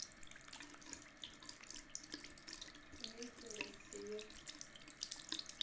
комедия россия